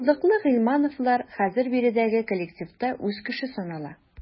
Булдыклы гыйльмановлар хәзер биредәге коллективта үз кеше санала.